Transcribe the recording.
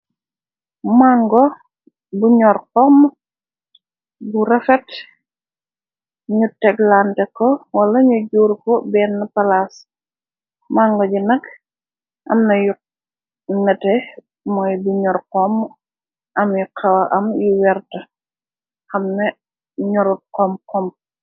Màngo bu ñoor xom bu refet ñu teglante ko wala ñu juur ko benn palaas màngo ji nag amna yu nate mooy bu ñor xom ami xawa am yu werte amna ñoru xoom xom.